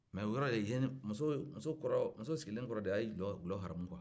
mɛ o yɔrɔ muso sigilen kɔrɔ de a ye dulo haramu